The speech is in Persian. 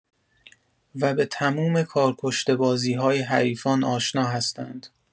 و به تموم کارکشته بازی‌های حریفان آشنا هستند.